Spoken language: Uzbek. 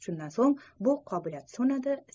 shundan so'ng bu qobiliyat so'nadi